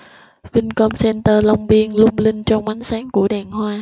vincom center long biên lung linh trong ánh sáng của đèn hoa